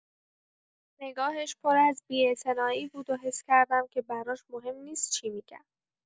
نگاهش پر از بی‌اعتنایی بود و حس کردم که براش مهم نیست چی می‌گم.